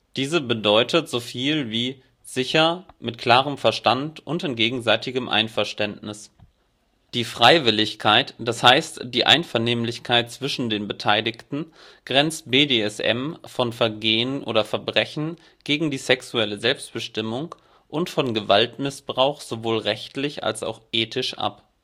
Dies bedeutet soviel wie „ sicher, mit klarem Verstand und in gegenseitigem Einverständnis “. Die Freiwilligkeit, das heißt die Einvernehmlichkeit zwischen den Beteiligten grenzt BDSM von Vergehen oder Verbrechen gegen die sexuelle Selbstbestimmung und von Gewaltmissbrauch sowohl rechtlich als auch ethisch ab